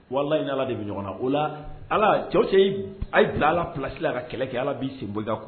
Wala ala de bɛ ɲɔgɔn na o la ala cɛwse a da la plasila a ka kɛlɛ kɛ ala bisinbonjan kuwa